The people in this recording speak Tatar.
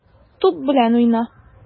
Туп белән уйна.